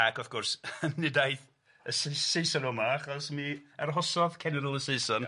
Ac wrth gwrs, nid aeth y Saeson o 'ma achos mi arhosodd cenedl y Saeson. Ia.